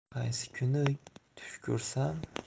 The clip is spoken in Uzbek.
qaysi kuni tush ko'rsam